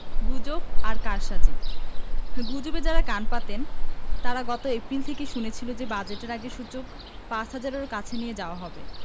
গুজব আর কারসাজি গুজবে যাঁরা কান পাতেন তাঁরা গত এপ্রিল থেকেই শুনছিলেন যে বাজেটের আগে সূচক ৫ হাজারের কাছে নিয়ে যাওয়া হবে